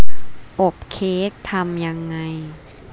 อบเค้กทำยังไง